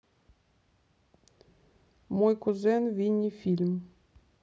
мой кузен винни фильм